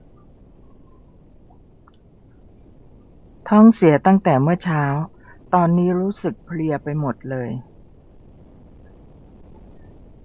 ท้องเสียตั้งแต่เมื่อเช้าตอนนี้รู้สึกเพลียไปหมดเลย